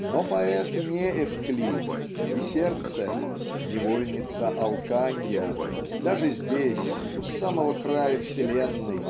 но поэт не Эвклид и сердце "невольница алканья" даже здесь у самого края вселенной